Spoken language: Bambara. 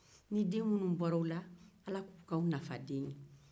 ni den minnu bɔra aw la ala ka u ke aw nafadenw ye